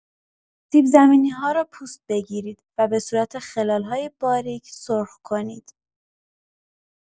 سیب‌زمینی‌ها را پوست بگیرید و به صورت خلال‌های باریک سرخ کنید.